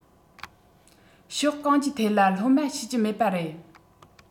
ཕྱོགས གང ཅིའི ཐད ལ སློབ མ ཤེས ཀྱི མེད པ རེད